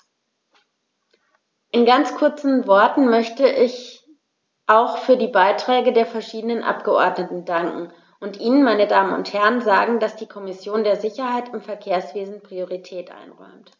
In ganz kurzen Worten möchte ich auch für die Beiträge der verschiedenen Abgeordneten danken und Ihnen, meine Damen und Herren, sagen, dass die Kommission der Sicherheit im Verkehrswesen Priorität einräumt.